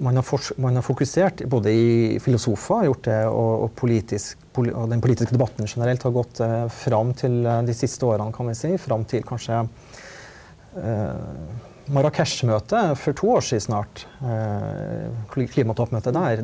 man har man har fokusert både i filosofer har gjort det og og politisk og den politiske debatten generelt har gått fram til de siste årene kan vi si, fram til kanskje Marrakech-møtet for to år sia snart klimatoppmøtet der.